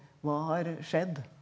hva har skjedd?